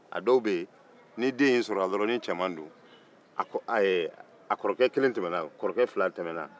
a dɔw bɛ yen ni den sɔrɔla ni cɛman don a kɔrɔkɛ kelen tɛmɛna kɔrɔkɛ fila tɛmɛna